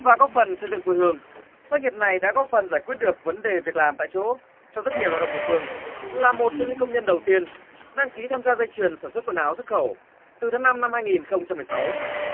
và góp phần xây dựng quê hương doanh nghiệp này đã góp phần giải quyết được vấn đề việc làm tại chỗ cho rất nhiều lao động địa phương là một trong những công nhân đầu tiên đăng ký tham gia dây chuyền sản xuất quần áo xuất khẩu từ tháng năm năm hai nghìn không trăm mười sáu